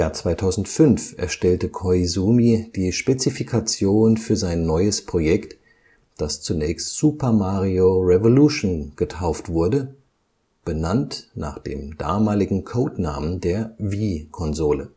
2005 erstellte Koizumi die Spezifikation für sein neues Projekt, das zunächst Super Mario Revolution getauft wurde – benannt nach dem damaligen Codenamen der Wii-Konsole